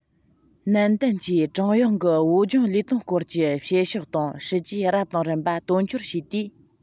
ནན ཏན གྱིས ཀྲུང དབྱང གི བོད ལྗོངས ལས དོན སྐོར གྱི བྱེད ཕྱོགས དང སྲིད ཇུས རབ དང རིམ པ དོན འཁྱོལ བྱས ཏེ